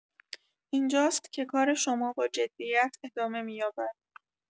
اینجاست که کار شما با جدیت ادامه می‌یابد.